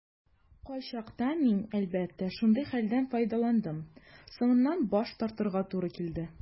Кайчакта мин, әлбәттә, шундый хәлдән файдаландым - соңыннан баш тартырга туры килде.